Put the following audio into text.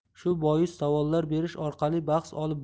shu bois savollar berish orqali bahs olib